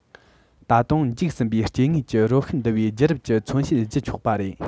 ད དུང འཇིག ཟིན པའི སྐྱེ དངོས ཀྱི རོ ཤུལ འདུ བའི རྒྱུད རབས ཀྱི མཚོན བྱེད བགྱི ཆོག པ རེད